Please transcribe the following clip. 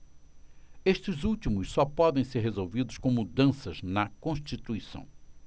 estes últimos só podem ser resolvidos com mudanças na constituição